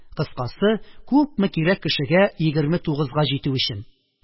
Кыскасы, күпме кирәк кешегә егерме тугызга җитү өчен!